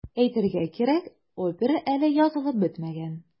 Әйтергә кирәк, опера әле язылып бетмәгән.